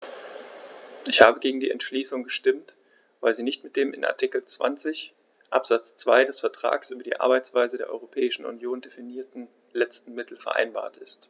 Ich habe gegen die Entschließung gestimmt, weil sie nicht mit dem in Artikel 20 Absatz 2 des Vertrags über die Arbeitsweise der Europäischen Union definierten letzten Mittel vereinbar ist.